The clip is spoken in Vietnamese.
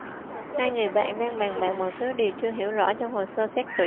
hai người bạn đang bàn bạc một số điều chưa hiểu rõ trong hồ sơ xét tuyển